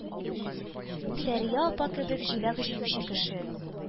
Сәрия апа кебек җиләк җыючы кеше